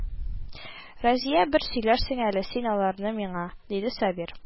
Разия, бер сөйләрсең әле син ал арны миңа, диде Сабир